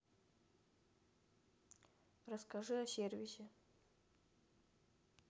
расскажи о сервисе